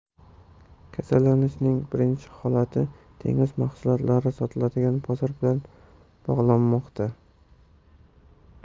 kasallanishning birinchi holatini dengiz mahsulotlari sotiladigan bozor bilan bog'lashmoqda